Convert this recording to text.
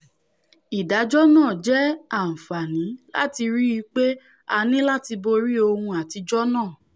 Ìdájọ́ náà jẹ àǹfààní láti rí i pé a nì láti borí ohun àtijọ́ náà